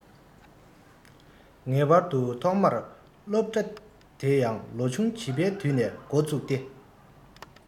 ངེས པར དུ ཐོག མར སློབ གྲྭའི དེ ཡང ལོ ཆུང བྱིས པའི དུས ནས འགོ བཙུགས ཏེ